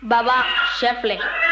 baba shɛ filɛ